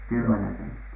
kymmenen senttiä